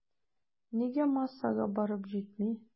Нигә массага барып җитми?